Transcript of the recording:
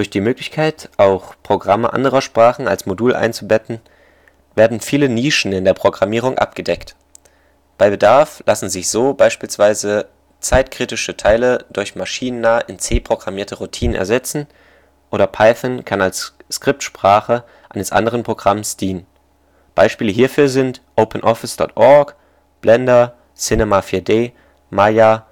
die Möglichkeit, auch Programme anderer Sprachen als Modul einzubetten, werden viele Nischen in der Programmierung abgedeckt. Bei Bedarf lassen sich so beispielsweise zeitkritische Teile durch maschinennah in C programmierte Routinen ersetzen, oder Python kann als Skriptsprache eines anderen Programms dienen (Beispiele: OpenOffice.org, Blender, Cinema 4D, Maya